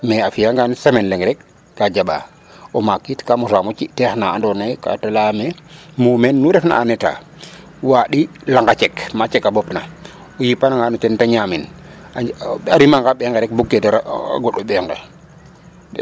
Mais a fi'angaan semaine leŋ rek ka ƴaɓa o maak it ka mosaam o ci' teex na andoona yee ka ta leyale mumeen nu refna en état waaɗi lang a cek ala ɓopna o yipanangaan o ten ta ñaamin a rimanga ɓee nqe rek bug ke dara goɗo ɓee nqe.